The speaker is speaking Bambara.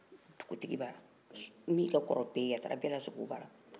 a kuntigiba min ka kɔrɔ bɛɛ ye a taara bɛɛ lasigi o bara